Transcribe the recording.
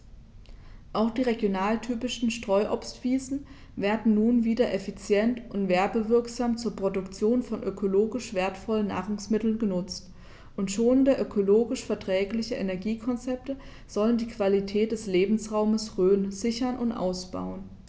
Auch die regionaltypischen Streuobstwiesen werden nun wieder effizient und werbewirksam zur Produktion von ökologisch wertvollen Nahrungsmitteln genutzt, und schonende, ökologisch verträgliche Energiekonzepte sollen die Qualität des Lebensraumes Rhön sichern und ausbauen.